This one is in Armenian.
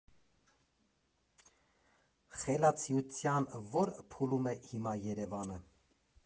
Խելացիության ո՞ր փուլում է հիմա Երևանը։